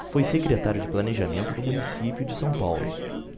foi secretário de planejamento do município de são paulo